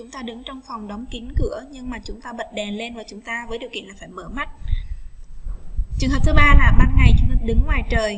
chúng ta đứng trong phòng đóng kín cửa nhưng mà chúng ta bật đèn lên và chúng ta với điều mở mắt thứ ba là ban ngày cho nó đứng ngoài trời